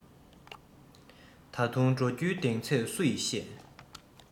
ད དུང འགྲོ རྒྱུའི གདེང ཚོད སུ ཡིས ཤེས